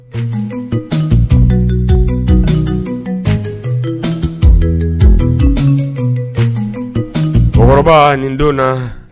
Cɛkɔrɔba nin donna